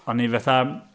O'n i fatha...